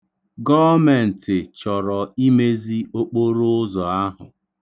Gọọmentị chọrọ imezi okporụụzọ ahụ.